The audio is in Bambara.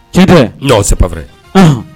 Ci tɛ tɛp fɛɛrɛ